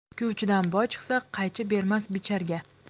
tikuvchidan boy chiqsa qaychi bermas bicharga